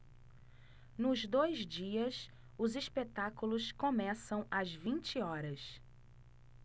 nos dois dias os espetáculos começam às vinte horas